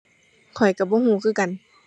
ข้อยก็บ่ก็คือกัน